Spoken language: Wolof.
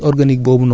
organique bi